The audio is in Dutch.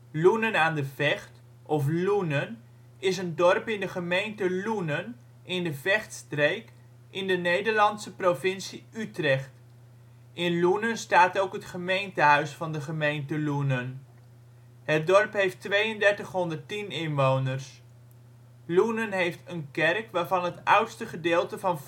Loenen aan de Vecht of Loenen, is een dorp in de gemeente Loenen, in de Vechtstreek in de Nederlandse provincie Utrecht. In Loenen staat ook het gemeentehuis van de gemeente Loenen. Het dorp heeft 3210 inwoners (2004). Loenen aan de Vecht Loenen heeft een kerk waarvan het oudste gedeelte van